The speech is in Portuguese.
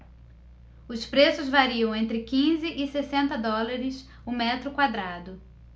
os preços variam entre quinze e sessenta dólares o metro quadrado